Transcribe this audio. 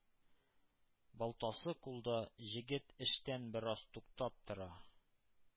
Балтасы кулда, Җегет эштән бераз туктап тора;